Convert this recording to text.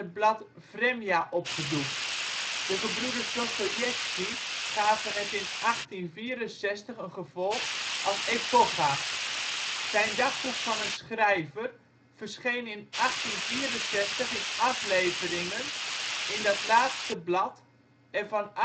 blad Vremja opgedoekt. De gebroeders Dostojevski gaven het in 1864 een vervolg als Epocha. Zijn Dagboek van een schrijver verscheen in 1864 in afleveringen in dat laatste blad en van